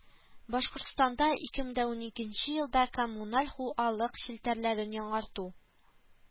БАШКОРТСТАНДА ике мең дә икенче ЕЛДА КОММУНАЛЬ ХУ АЛЫК ЧЕЛТӘРЛӘРЕН ЯҢАРТУ